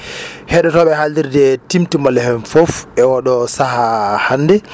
heɗotoɓe halirde Timtimol FM foof e oɗo saaha hande